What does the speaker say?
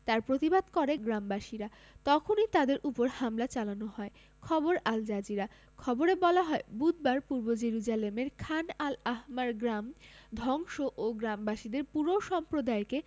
তার প্রতিবাদ করে গ্রামবাসীরা তখনই তাদের ওপর নির্মম হামলা চালানো হয় খবর আল জাজিরা খবরে বলা হয় বুধবার পূর্ব জেরুজালেমের খান আল আহমার গ্রাম ধ্বংস ও গ্রামবাসীদের পুরো সম্প্রদায়কে